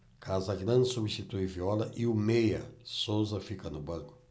casagrande substitui viola e o meia souza fica no banco